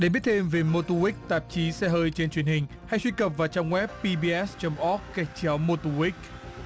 để biết thêm về mô tô guých tạp chí xe hơi trên truyền hình hay truy cập vào trang gép pi bi ét chấm óp gạch chéo mô tô guých